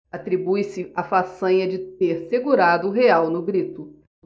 atribuiu-se a façanha de ter segurado o real no grito